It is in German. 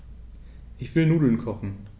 Ich will Nudeln kochen.